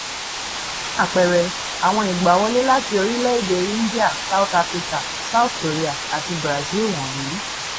Fún àpẹẹrẹ, àwọn ìgbàwọlé láti orílẹ-èdè India, South Africa, South Korea àti Brazil wọ̀nyìí.